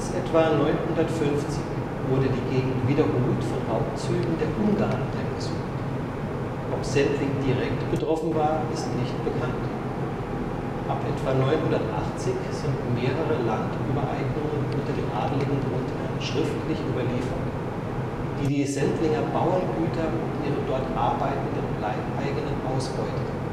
etwa 950 wurde die Gegend wiederholt von Raubzügen der Ungarn heimgesucht. Ob Sendling direkt betroffen war, ist nicht bekannt. Ab etwa 980 sind mehrere Land-Übereignungen unter den adeligen Grundherrn schriftlich überliefert, die die Sendlinger Bauerngüter und ihre dort arbeitenden Leibeigenen ausbeuteten